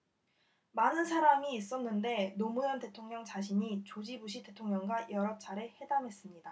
많은 사람이 있었는데 노무현 대통령 자신이 조지 부시 대통령과 여러 차례 회담했습니다